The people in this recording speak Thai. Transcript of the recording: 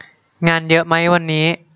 งานเยอะไหมวันนี้